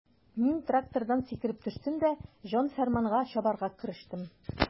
Мин трактордан сикереп төштем дә җан-фәрманга чабарга керештем.